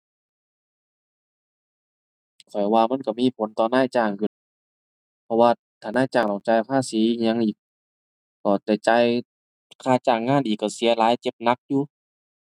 ข้อยว่ามันก็มีผลต่อนายจ้างอยู่ เพราะว่าถ้านายจ้างต้องจ่ายภาษีอิหยังอีก แล้วได้จ่ายค่าจ้างงานอีก ก็เสียหลาย เจ็บหนักอยู่